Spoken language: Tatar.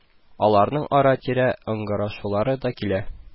Аларның ара-тирә ыңгырашулары гына килә